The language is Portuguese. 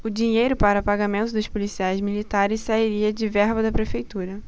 o dinheiro para pagamento dos policiais militares sairia de verba da prefeitura